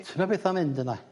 ...su' ma petha'n mynd yna?